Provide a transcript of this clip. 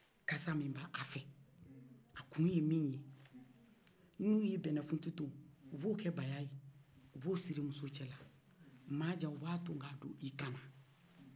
kassa min b'a fɛ o kun ye min ye n'o ye binɛfuntu tun o bɛ o kɛ baya ye k'a siri muso cɛla manja o b'a tun k'a do i kana